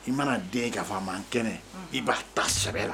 I mana den ga fa n kɛnɛ i b'a ta sɛbɛ la